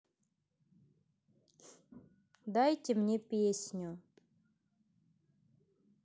дайте мне песню